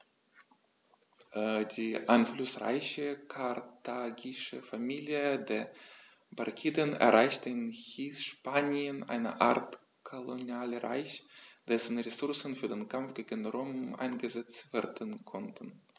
Die einflussreiche karthagische Familie der Barkiden errichtete in Hispanien eine Art Kolonialreich, dessen Ressourcen für den Kampf gegen Rom eingesetzt werden konnten.